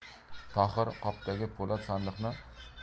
tohir qopdagi po'lat sandiqni aravakash